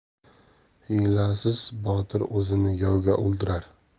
hiylasiz botir o'zini yovga oldirar